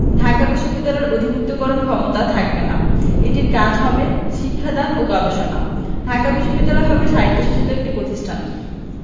ঢাকা বিশ্ববিদ্যালয়ের অধিভুক্তিকরণ ক্ষমতা থাকবে না এটির কাজ হবে শিক্ষা দান ও গবেষণা ঢাকা বিশ্ববিদ্যালয় হবে স্বায়ত্তশাসিত একটি প্রতিষ্ঠান